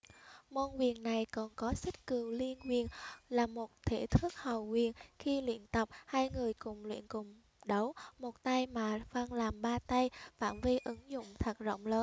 môn quyền này còn có xích cừu liên quyền là một thể thức hầu quyền khi luyện tập hai người cùng luyện cùng đấu một tay mà phân làm ba tay phạm vi ứng dụng thật rộng lớn